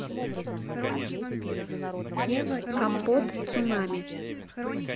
компот цунами